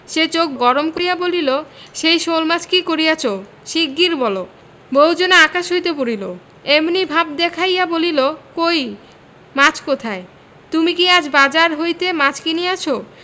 সে চোখ গরম করিয়া বলিল সেই শোলমাছ কি করিয়াছ শীগগীর বল বউ যেন আকাশ হইতে পড়িল এমনি ভাব দেখাইয়া বলিল কই মাছ কোথায় তুমি কি আজ বাজার হইতে মাছ কিনিয়াছ